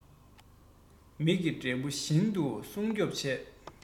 མིག གི འབྲས བུ བཞིན དུ སྲུང སྐྱོབ བྱས